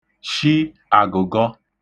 shi àgụ̀gọ